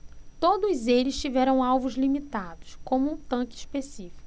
todos eles tiveram alvos limitados como um tanque específico